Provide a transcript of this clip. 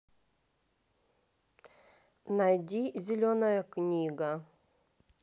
найди зеленая книга